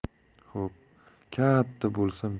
xo'p katta bo'lsam